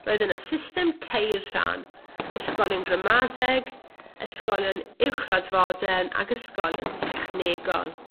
roedd yna system teir rhan ysgolion gramadeg, ysgolion uwchradd fodern, ac ysgolion technegol.